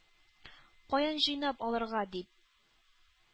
Каян җыйнап алырга? - дип,